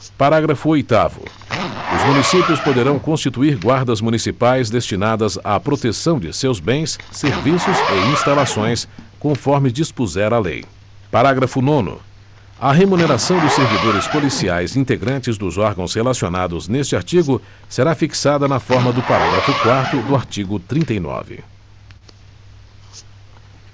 parágrafo oitavo os municípios poderão constituir guardas municipais destinadas à proteção de seus bens serviços e instalações conforme dispuser a lei parágrafo nono a remuneração dos servidores policiais integrantes dos órgãos relacionados neste artigo será fixada na forma do parágrafo quarto do artigo trinta e nove